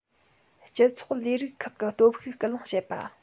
སྤྱི ཚོགས ལས རིགས ཁག གི སྟོབས ཤུགས སྐུལ སློང བྱེད པ